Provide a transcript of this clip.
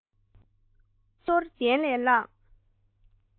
ཇ ཤུགས ཀྱིས འཐུང ཞོར གདན ལས ལངས